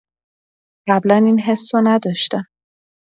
قبلا این حس رو نداشتم.